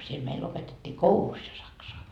siellä meillä opetettiin koulussa jo saksaa